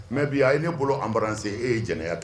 Mɛ bi a ye ne bolo anbarensen e ye jɛnɛya dɛ